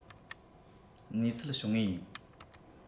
གནས ཚུལ བྱུང ངེས ཡིན